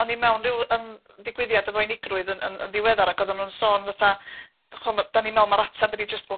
o'n i mewn ryw yym ddigwyddiad efo unigrwydd yn yn yn ddiweddar ag oddan nw'n sôn fatha 'dyn ni me'wl ma'r atab ydi jyst bo'